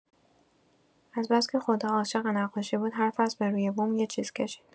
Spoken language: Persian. از بس که خدا عاشق نقاشی بود، هر فصل به روی بوم، یک چیز کشید.